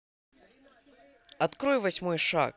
открой восьмой шаг